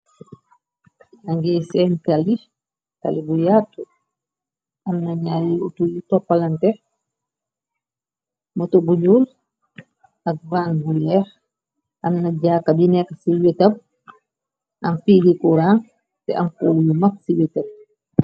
Yage seeñ tali tali bu yattu amna nyari otu yu toppalante motou bu nuul ak van bu weex amna jaaka bi nekk ci wetam am fele curang te am xuul yu mag ci birr kerr be.